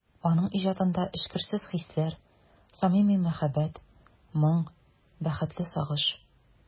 Аның иҗатында эчкерсез хисләр, самими мәхәббәт, моң, бәхетле сагыш...